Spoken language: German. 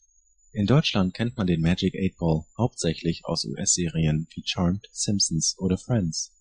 In Deutschland kennt man den Magic 8 Ball hauptsächlich aus US-Serien wie Charmed, Simpsons oder Friends